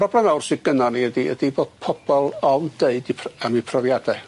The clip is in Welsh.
Problem fawr sy gynnon ni ydi ydi bo' pobol ofn deud 'u pr- am 'u profiade.